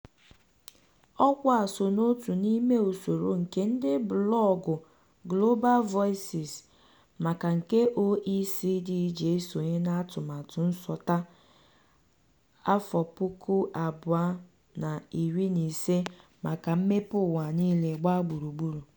Ọkwa a so n'otu n'ime usoro nke ndị blọọgụ Global Voices maka nke OECD ji esonye n'atụmatụ nsota-2015 maka mmepe ụwa niile gbaa gburugburu.